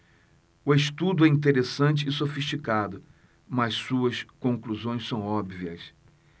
o estudo é interessante e sofisticado mas suas conclusões são óbvias